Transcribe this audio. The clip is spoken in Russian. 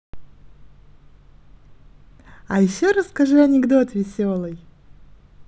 а еще расскажи анекдот веселый